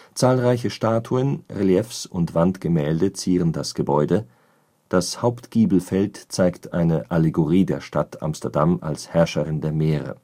Zahlreiche Statuen, Reliefs und Wandgemälde zieren das Gebäude, das Hauptgiebelfeld zeigt eine Allegorie der Stadt Amsterdam als Herrscherin der Meere